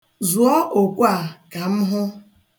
Zụọ okwe a kam hụ.